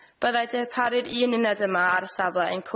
Byddai darparu'r un uned yma ar y safle yn cwrdd